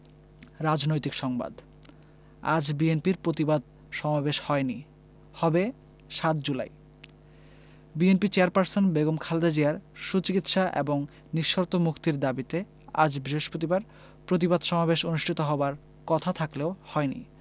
রাজনৈতিক সংবাদ আজ বিএনপির প্রতিবাদ সমাবেশ হয়নি হবে ৭ জুলাই বিএনপি চেয়ারপারসন বেগম খালেদা জিয়ার সুচিকিৎসা এবং নিঃশর্ত মুক্তির দাবিতে আজ বৃহস্পতিবার প্রতিবাদ সমাবেশ অনুষ্ঠিত হবার কথা থাকলেও হয়নি